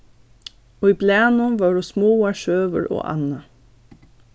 í blaðnum vóru smáar søgur og annað